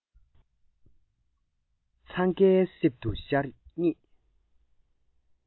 འཚང ཀའི གསེབ ཏུ ཤར ཡོང ངེས